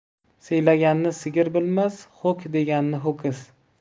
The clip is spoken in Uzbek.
siylaganni sigir bilmas ho'k deganni ho'kiz